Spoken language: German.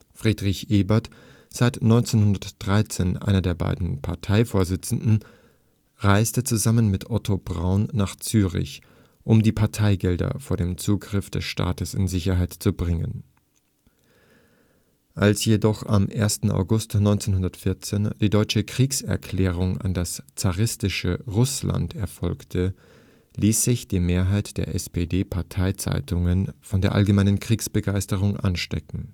Friedrich Ebert, seit 1913 einer der beiden Parteivorsitzenden, reiste zusammen mit Otto Braun nach Zürich, um die Parteigelder vor dem Zugriff des Staates in Sicherheit zu bringen. Als jedoch am 1. August 1914 die deutsche Kriegserklärung an das zaristische Russland erfolgte, ließ sich die Mehrheit der SPD-Parteizeitungen von der allgemeinen Kriegsbegeisterung anstecken